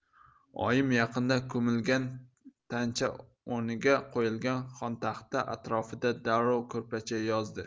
oyim yaqinda ko'milgan tancha o'rniga qo'yilgan xontaxta atrofiga darrov ko'rpacha yozdi